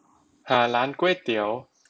หาร้านก๋วยเตี๋ยว